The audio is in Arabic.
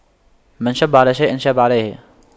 من شَبَّ على شيء شاب عليه